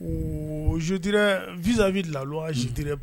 Ɔ zot visa v la aztre